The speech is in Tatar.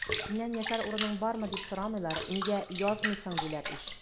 Синнән яшәр урының бармы, дип сорамыйлар, нигә язмыйсың, диләр ич!